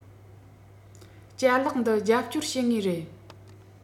ཅ ལག འདི རྒྱབ སྐྱོར བྱེད ངེས རེད